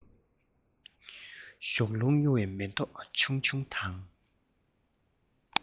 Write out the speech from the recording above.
ཞོགས རླུང གཡོ བའི མེ ཏོག ཆུང ཆུང དང